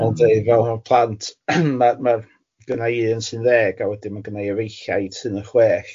Wel deud fel ma' plant ma' ma' gynna i un sy'n ddeg a wedyn ma' gynna i efeillaid sydd yn chwech.